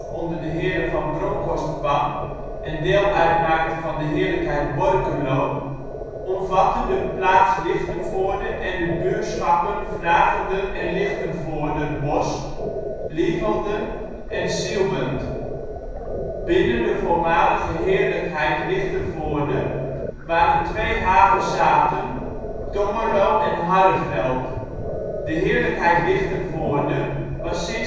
onder de heren van Bronkhorst kwam en deel uit­maakte van de Heerlijkheid Borculo, omvat­te de plaats Lich­tenvoorde en de b­uur­schappen Vragender en Lichten­voorder Bosch, Lievelde en Zieuwent. Binnen de voormalige heerlijkheid Lichtenvoorde waren twee havezaten, Tongerlo en Harreveld. De heerlijkheid Lichtenvoorde was